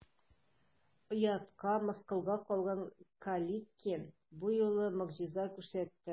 Оятка, мыскылга калган Калиткин бу юлы могҗиза күрсәтте.